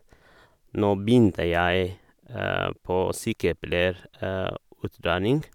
Nå begynte jeg på sykepleierutdanning.